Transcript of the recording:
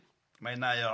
Mae'n rhai o.